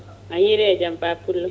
a hiire jaam Ba pullo